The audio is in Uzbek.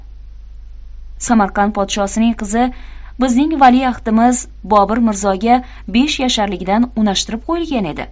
samarqand podshosining qizi bizning valiahdimiz bobur mirzoga besh yasharligidan unashtirib qo'yilgan edi